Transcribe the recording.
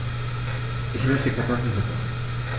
Ich möchte Kartoffelsuppe.